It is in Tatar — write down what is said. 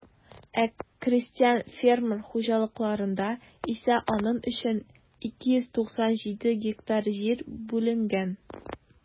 Ә крестьян-фермер хуҗалыкларында исә аның өчен 297 гектар җир бүленгән.